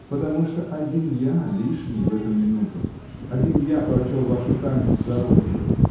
— Потому, что один я лишний в эту минуту, один я прочел вашу тайну в зародыше.